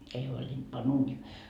ei huolinut panna uuniin